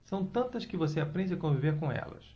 são tantas que você aprende a conviver com elas